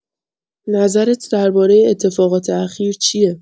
نظرت درباره اتفاقات اخیر چیه؟